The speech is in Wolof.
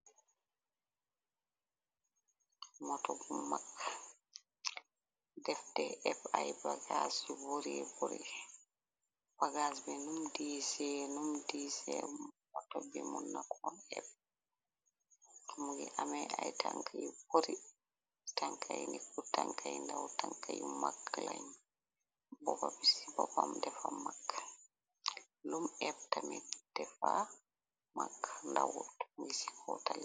Moto bu mag defde epp ay bagag yu bori bori bagas bi num dii see num di see moto bi mu nakoon epp mu ngi ame ay tank yu bori tankay nikku tankay ndaw tanka yu mak lañ bobab ci boppam defa mag lum epp tami defa mak ndawut mi ci kaw tali.